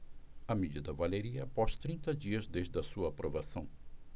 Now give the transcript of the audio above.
a medida valeria após trinta dias desde a sua aprovação